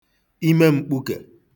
imem̄kpūkè